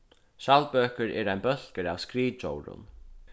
skjaldbøkur er ein bólkur av skriðdjórum